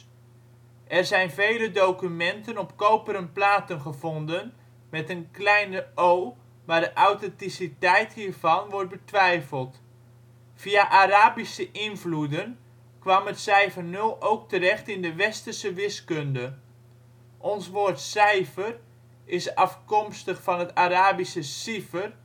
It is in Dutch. zijn vele documenten op koperen platen gevonden, met een kleine o, maar de authenticiteit hiervan wordt betwijfeld.. Via Arabische invloeden kwam het cijfer nul ook terecht in de westerse wiskunde. Ons woord " cijfer " is afkomstig van het Arabische sifr